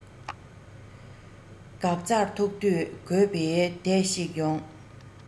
འགག རྩར ཐུག དུས དགོས པའི དུས ཤིག ཡོང